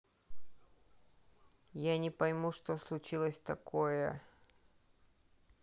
я не пойму что случилось такое